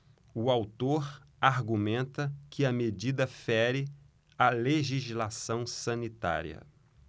o autor argumenta que a medida fere a legislação sanitária